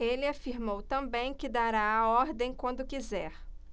ele afirmou também que dará a ordem quando quiser